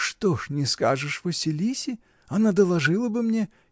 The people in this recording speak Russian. — Что ж не скажешь Василисе: она доложила бы мне.